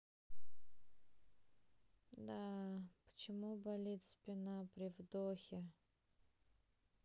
да почему болит спина при вдохе